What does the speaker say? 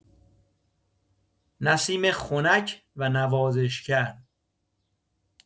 نسیم خنک و نوازشگر